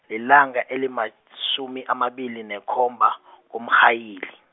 lilanga elimatjhumi amabili nekhomba , kuMrhayili.